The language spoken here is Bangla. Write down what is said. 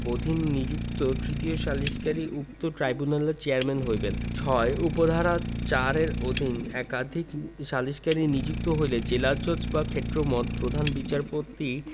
অধীন নিযুক্ত তৃতীয় সালিসকারী উক্ত ট্রাইব্যুনালের চেয়ারম্যান হইবেন ৬ উপ ধারা ৪ এর অধীন একাধিক সালিসকারী নিযুক্ত হইলে জেলাজজ বা ক্ষেত্রমত প্রধান বিচারপত